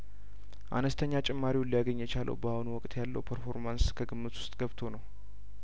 አነስተኛ ጭማሪውን ሊያገኝ የቻለው በአሁን ወቅት ያለው ፐርፎርማንስ ከግምት ውስጥ ገብቶ ነው